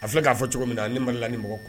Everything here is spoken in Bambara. A filɛ k'a fɔ cogo min na ni Mali la ni mɔgɔ